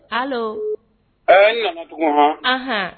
Paul nana ahɔn